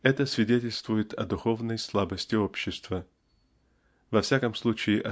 -- это свидетельствует о духовной слабости общества. Во всяком случае